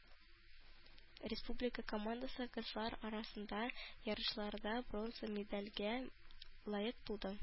Республика командасы кызлар арасында ярышларда бронза медальгә лаек булды.